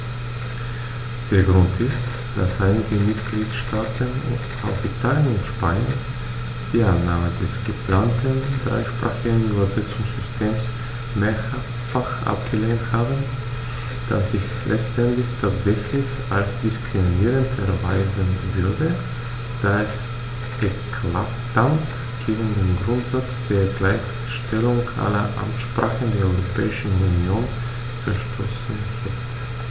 Der Grund ist, dass einige Mitgliedstaaten - auch Italien und Spanien - die Annahme des geplanten dreisprachigen Übersetzungssystems mehrfach abgelehnt haben, das sich letztendlich tatsächlich als diskriminierend erweisen würde, da es eklatant gegen den Grundsatz der Gleichstellung aller Amtssprachen der Europäischen Union verstoßen hätte.